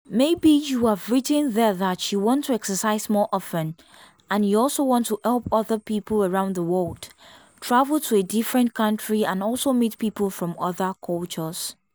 Maybe you have written there that you want to exercise more often, and you also want to help other people around the world, travel to a different country and also meet people from other cultures.